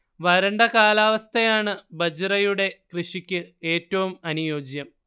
വരണ്ട കാലാവസ്ഥയാണ് ബജ്റയുടെ കൃഷിക്ക് ഏറ്റവും അനുയോജ്യം